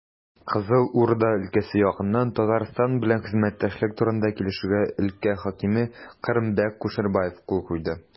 Кызыл Урда өлкәсе ягыннан Татарстан белән хезмәттәшлек турында килешүгә өлкә хакиме Кырымбәк Кушербаев кул куйды.